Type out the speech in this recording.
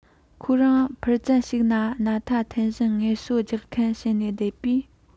ཁོ རང ཕར ཙམ ཞིག ན སྣ ཐ འཐེན བཞིན ངལ གསོ རྒྱག ཁུལ བྱས ནས བསྟད པས